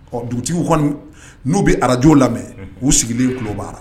Ɔ dugutigiw kɔni n'u bɛ arajo lamɛn k uu sigilen tulo'